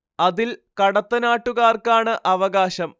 അതിൽ കടത്തനാട്ടുകാർക്കാണ് അവകാശം